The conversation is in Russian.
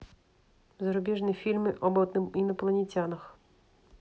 зарубежные фильмы об инопланетянах